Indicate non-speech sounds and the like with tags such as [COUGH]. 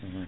[HESITATION] [HESITATION]